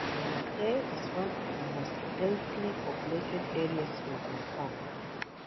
Yau Ma Tei is one of the most densely populated areas in Hong Kong.